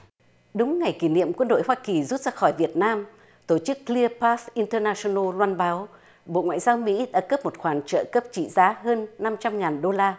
đúng ngày kỷ niệm quân đội hoa kỳ rút ra khỏi việt nam tổ chức cờ lia pát in tờ ne sần nồ loan báo bộ ngoại giao mỹ đã cấp một khoản trợ cấp trị giá hơn năm trăm ngàn đô la